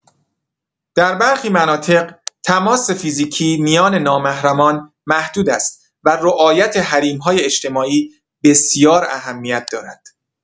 در برخی مناطق تماس فیزیکی میان نامحرمان محدود است و رعایت حریم‌های اجتماعی بسیار اهمیت دارد.